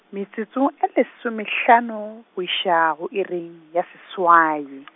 metsotso e lesomehlano, go iša go iri, ya seswai .